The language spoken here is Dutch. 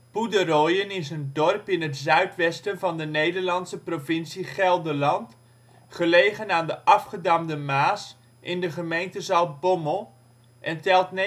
Poederoijen is een dorp in het zuidwesten van de Nederlandse provincie Gelderland, gelegen aan Afgedamde Maas in de gemeente Zaltbommel en telt 986